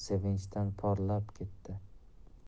sevinchdan porlab ketdi